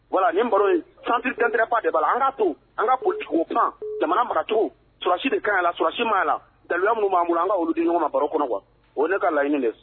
Wa nin baro san dantigɛba de b' la an ka to an ka ko jugu jamana maracogo sulasi de kan a la sulasi m'a la gala mun b'a bolo an ka olu di ɲɔgɔn ma baro kɔnɔ kuwa o ne ka laɲini dɛ